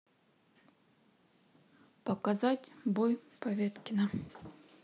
показать бой поветкина